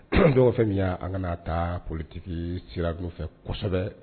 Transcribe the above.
Dɔw fɛn min an kaa taa ptigi sira dunun fɛ kosɛbɛ